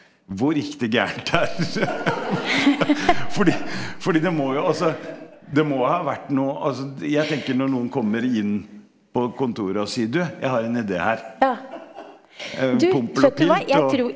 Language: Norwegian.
hvor gikk det gærent her, fordi fordi det må jo altså det må jo ha vært noe, altså jeg tenker når noen kommer inn på kontoret og sier, du jeg har en ide her Pompel og Pilt og.